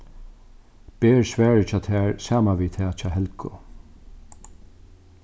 ber svarið hjá tær saman við tað hjá helgu